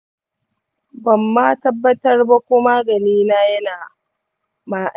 ban ma tabbatar ba ko magani na yana ma aiki.